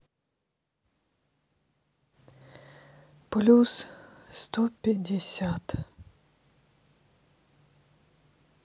плюс сто пятьдесят